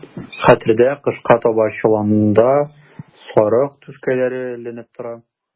Хәтердә, кышка таба чоланда сарык түшкәләре эленеп тора.